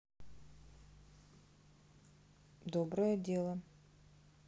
доброе дело